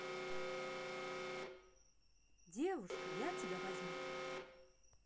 девушка я тебя возьму